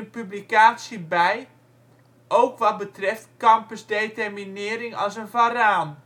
publicatie bij, ook wat betreft Campers determinering als een varaan